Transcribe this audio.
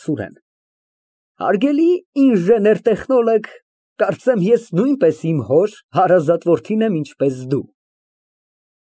ՍՈՒՐԵՆ ֊ Հարգելի ինժեներ֊տեխնոլոգ, կարծեմ, ես նույնպես իմ հոր հարազատ որդին եմ, ինչպես դու։